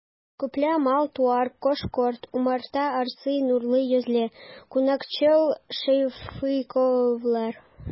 Күпләп мал-туар, кош-корт, умарта асрый нурлы йөзле, кунакчыл шәфыйковлар.